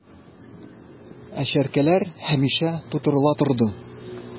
Ә чәркәләр һәмишә тутырыла торды...